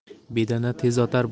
bedana tezotar bo'lsa